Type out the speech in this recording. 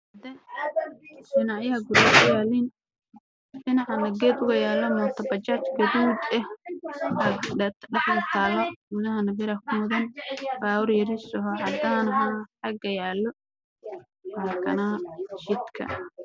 Waa wado waxaa maraayo gaari iyo bajaj